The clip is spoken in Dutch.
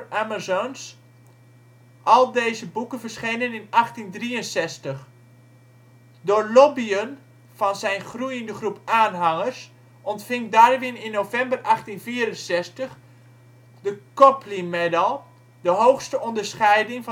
Amazons (al deze boeken verschenen in 1863). Door lobbyen van zijn groeiende groep aanhangers ontving Darwin in november 1864 de Copley Medal, de hoogste onderscheiding